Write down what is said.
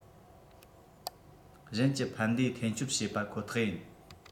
གཞན གྱི ཕན བདེ འཐེན སྤྱོད བྱེད པ ཁོ ཐག ཡིན